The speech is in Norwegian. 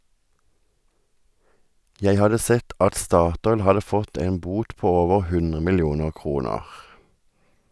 Jeg hadde sett at Statoil hadde fått en bot på over 100 millioner kroner.